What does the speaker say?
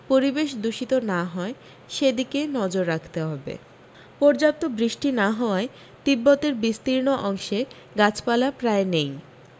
পরিবেশ দূষিত না হয় সে দিকে নজর রাখতে হবে পর্যাপ্ত বৃষ্টি না হওয়ায় তিব্বতের বিস্তিরণ অংশে গাছপালা প্রায় নেই